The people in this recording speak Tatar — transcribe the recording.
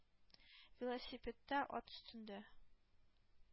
Велосипедта, ат өстендә...